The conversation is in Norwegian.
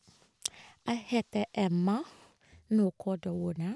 Jeg heter Emma Norkor Duwuona.